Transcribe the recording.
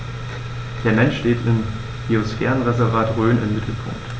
Der Mensch steht im Biosphärenreservat Rhön im Mittelpunkt.